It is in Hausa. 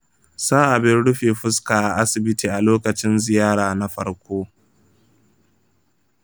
sa abin rufe fuska a asibiti a lokacin ziyara na farko.